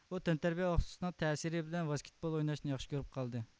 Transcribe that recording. ئۇ تەنتەربىيە ئوقۇتقۇچىسىنىڭ تەسىرى بىلەن ۋاسكېتبول ئويناشنى ياخشى كۆرۈپ قالدى